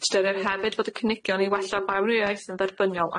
Ystyriir hefyd fod y cynigion i wella bawniaeth yn dderbyniol